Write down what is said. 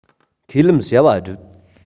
ཁས ལེན བྱ བ བསྒྲུབ